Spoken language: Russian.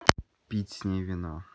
пить с ней вино